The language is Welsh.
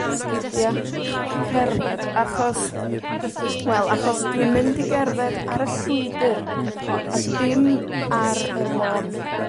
'sgidia cerdded. Achos, wel achos dwi'n mynd i gerdded ar y llwybyr, a dim ar y lôn.